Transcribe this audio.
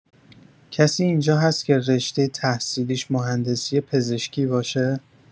کسی اینجا هست که رشته تحصیلیش مهندسی پزشکی باشه؟